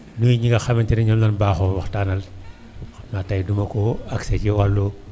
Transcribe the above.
nuyu ñi nga xamante ne ñoom la ñu baaxoo waxtaanal xam na tey du ma ko accès ci wàllu